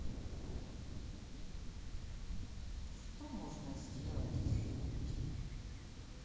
что можно сделать из юбки